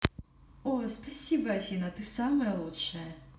о спасибо афина ты самая лучшая